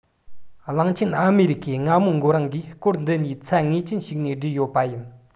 གླིང ཆེན ཨ མེ རི ཁའི རྔ མོང མགོ རིང གིས སྐོར འདི གཉིས ཚད ངེས ཅན ཞིག ནས སྦྲེལ ཡོད པ ཡིན